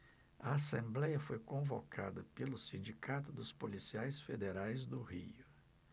a assembléia foi convocada pelo sindicato dos policiais federais no rio